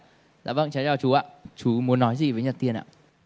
dạ vâng cháu chào chú ạ chú muốn nói gì với nhật tiên ạ